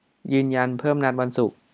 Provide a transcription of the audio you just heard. ยืนยันเพิ่มนัดวันศุกร์